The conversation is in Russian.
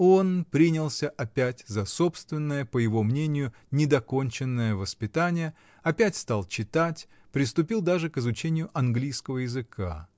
Он принялся опять за собственное, по его мнению недоконченное, воспитание, опять стал читать, приступил даже к изучению английского языка.